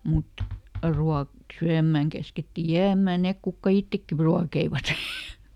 mutta - syömään käskettiin jäämään ne ketkä itsekin - ruokkivat